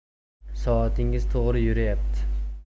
soatingiz to'g'ri yurayapti